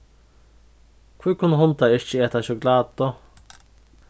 hví kunnu hundar ikki eta sjokulátu